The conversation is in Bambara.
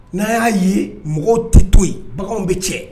N'a y'a ye mɔgɔw tɛ to yen baganw bɛ cɛ